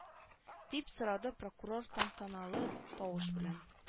Дип сорады прокурор тантаналы тавыш белән